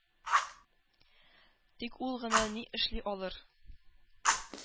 Тик ул гына ни эшли алыр?